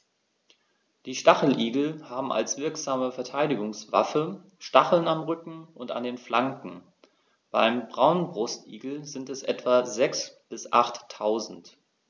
Die Stacheligel haben als wirksame Verteidigungswaffe Stacheln am Rücken und an den Flanken (beim Braunbrustigel sind es etwa sechs- bis achttausend).